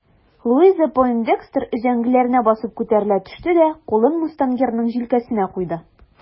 Луиза Пойндекстер өзәңгеләренә басып күтәрелә төште дә кулын мустангерның җилкәсенә куйды.